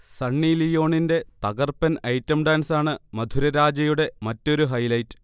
സണ്ണി ലിയോണിൻറെ തകർപ്പൻ ഐറ്റം ഡാൻസാണ് മധുരരാജയുടെ മറ്റൊരു ഹൈലൈറ്റ്